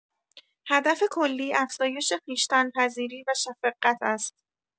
هدف کلی افزایش خویشتن‌پذیری و شفقت است.